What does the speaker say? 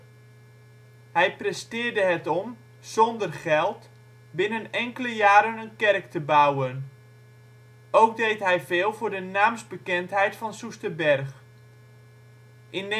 presteerde het om, zonder geld, binnen enkele jaren een kerk te bouwen. Ook deed hij veel voor de naamsbekendheid van Soesterberg. In